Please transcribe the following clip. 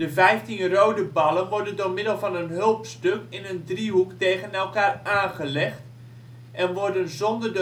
vijftien rode ballen worden door middel van een hulpstuk in een driehoek tegen elkaar aangelegd, en worden zonder